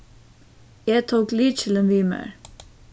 eg tók lykilin við mær